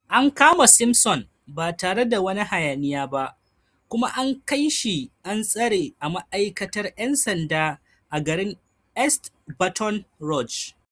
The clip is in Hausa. An kama Simpson ba tare da wani hayaniya ba, kuma an kai shi an tsare a ma'aikatar 'yan sanda a garin East Baton Rouge.